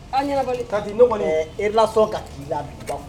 A ɲɛnabolen, kadi ne kɔnni, ɛɛ relation ka k'i la duguba kɔnɔ